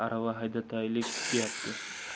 arava haydataylik deyabdi